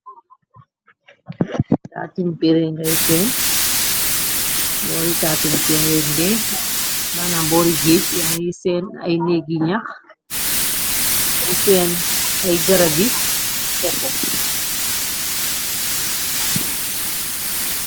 Raatim pére ngay seen boori tatum prebé mëna bori géej yayi seen ay néggi ñax gay seen ay gëra bi kokko.